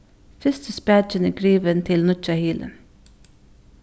fyrsti spakin er grivin til nýggja hylin